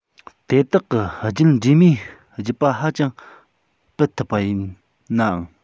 དེ དག གི རྒྱུད འདྲེས མས རྒྱུད པ ཧ ཅང སྤེལ ཐུབ པ ཡིན ནའང